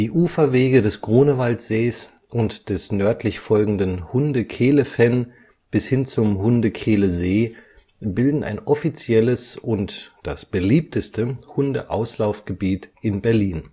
Uferwege des Grunewaldsees und des nördlich folgenden Hundekehlefenn bis hin zum Hundekehlesee bilden ein offizielles und das beliebteste Hundeauslaufgebiet in Berlin